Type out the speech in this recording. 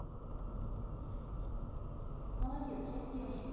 молодец я съезжу